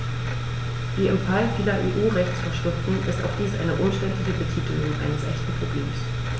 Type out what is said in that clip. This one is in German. Wie im Fall vieler EU-Rechtsvorschriften ist auch dies eine umständliche Betitelung eines echten Problems.